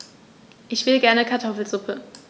Ich will gerne Kartoffelsuppe.